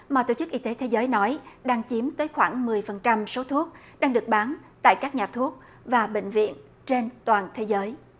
mà tổ chức y tế thế giới nói đang chiếm tới khoảng mười phần trăm số thuốc đang được bán tại các nhà thuốc và bệnh viện trên toàn thế giới